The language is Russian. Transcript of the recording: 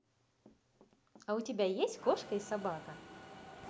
а у тебя есть кошка и собака